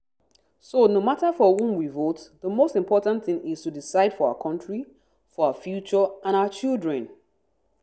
So no matter for whom we vote, the most important thing is to decide for our country, for our future and our children.